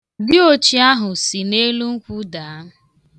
Diochi ahụ si n'elu nkwụ daa.